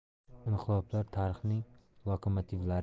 inqiloblar tarixning lokomotivlari